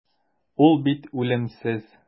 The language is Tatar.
Ул бит үлемсез.